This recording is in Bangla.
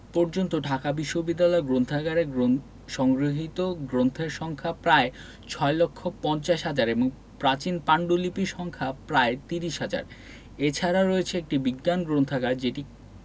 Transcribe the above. পর্যন্ত ঢাকা বিশ্ববিদ্যালয় গ্রন্থাগারে সংগৃহীত গ্রন্থের সংখ্যা প্রায় ৬ লক্ষ ৫০ হাজার এবং প্রাচীন পান্ডুলিপি সংখ্যা প্রায় ত্রিশ হাজার এছাড়া রয়েছে একটি বিজ্ঞান গ্রন্থাগার যেটি